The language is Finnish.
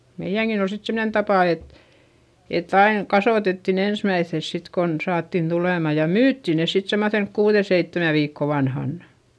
meidänkin oli sitten semmoinen tapa että että aina kasvatettiin ensimmäiseksi sitten kun saatiin tulemaan ja myytiin ne sitten semmoisen kuuden seitsemän viikon vanhana